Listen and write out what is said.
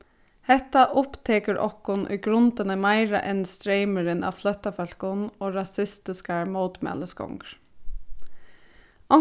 hetta upptekur okkum í grundini meira enn streymurin av flóttafólkum og rasistiskar mótmælisgongur